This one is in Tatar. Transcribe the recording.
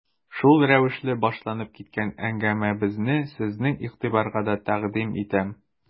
Шул рәвешле башланып киткән әңгәмәбезне сезнең игътибарга да тәкъдим итәм.